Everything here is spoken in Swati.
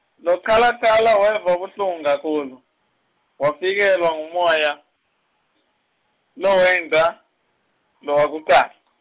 lochalachala weva buhlungu kakhulu, wefikelwa ngumona lowengca lowakucala.